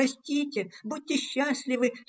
Растите, будьте счастливы.